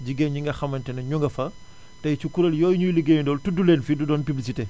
jigéen ñi nga xamante ne ñu nga fa tey ci kuréel yooyu ñuy ligéeyandool tudd leen fi du doon publicité